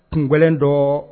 Kun gɛlɛn dɔ